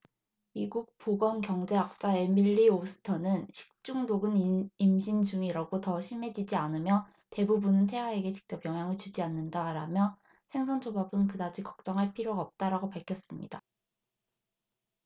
미국 보건경제학자 에밀리 오스터는 식중독은 임신 중이라고 더 심해지지 않으며 대부분은 태아에게 직접 영향을 주지 않는다라며 생선초밥은 그다지 걱정할 필요가 없다라고 밝혔습니다